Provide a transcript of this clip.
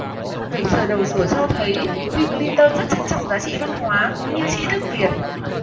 việc sờ đầu rùa cho thấy bill clinton rất trân trọng giá trị văn hóa cũng như tri thức việt